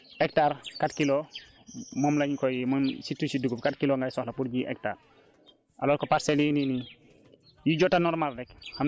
parce que imaginé parcelle yu tuuti yii nii dèjà hectare quatre kilo moom lañ koy mën surtout si dugub quatre kilos ngay soxla pour dix hectares